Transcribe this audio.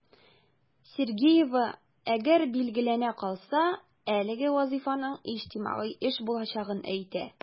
Сергеева, әгәр билгеләнә калса, әлеге вазыйфаның иҗтимагый эш булачагын әйтә.